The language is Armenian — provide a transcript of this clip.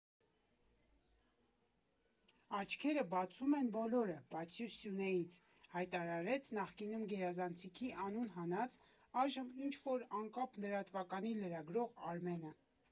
֊ Աչքերը բացում են բոլորը, բացի Սյունեից, ֊ հայտարարեց նախկինում գերազանցիկի անուն հանած, այժմ ինչ֊որ անկապ լրատվականի լրագրող Արմենը։